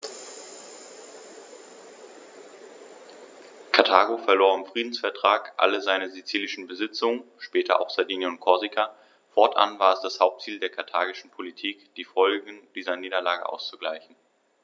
Karthago verlor im Friedensvertrag alle seine sizilischen Besitzungen (später auch Sardinien und Korsika); fortan war es das Hauptziel der karthagischen Politik, die Folgen dieser Niederlage auszugleichen.